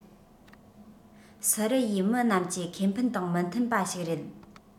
སི རི ཡའི མི རྣམས ཀྱི ཁེ ཕན དང མི མཐུན པ ཞིག རེད